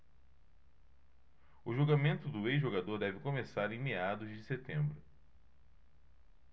o julgamento do ex-jogador deve começar em meados de setembro